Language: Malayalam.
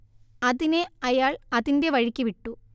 അതിനെ അയാൾ അതിന്റെ വഴിക്ക് വിട്ടു